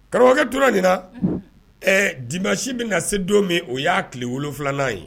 Karamɔgɔkɛ tora de na ɛ dibasi bɛna ka se don min o y'a tile wolonfilaa ye